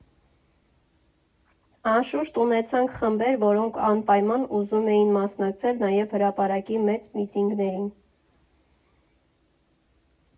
Անշուշտ ունեցանք խմբեր, որոնք անպայման ուզում էին մասնակցել նաև հրապարակի մեծ միտինգներին։